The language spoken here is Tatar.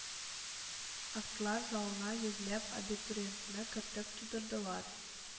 Актлар залына йөзләп абитуриентны кертеп тутырдылар